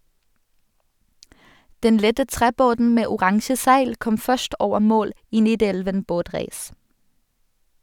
Den lette trebåten med oransje seil kom først over mål i Nidelven båtræs.